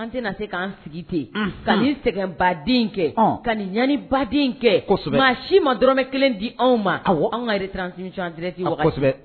An tɛna na se k anan sigi ten ka sɛgɛnbaden kɛ ka ɲani baden kɛ kosɛbɛ maa si ma d dɔrɔnɔrɔmɛ kelen di anw ma anw yɛrɛ